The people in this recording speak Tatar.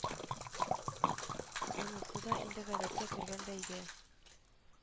Монысы да инде гадәткә кергән бәйге